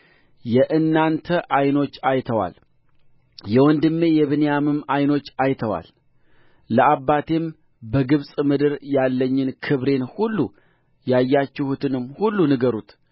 የእናንተ ዓይኖች አይተዋል የወንድሜ የብንያምም ዓይኖች አይተዋል ለአባቴም በግብፅ ምድር ያለኝን ክብሬን ሁሉ ያያችሁትንም ሁሉ ንገሩት